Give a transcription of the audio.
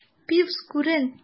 Пивз, күрен!